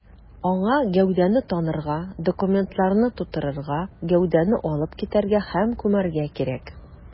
Аңа гәүдәне танырга, документларны турырга, гәүдәне алып китәргә һәм күмәргә кирәк.